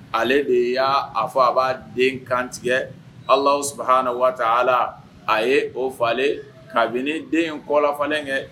Ale de ya, a fɔ, a b'a den kantigɛ, Alahu subahana watala, a ye o falen kabini den kɔfalen kɛ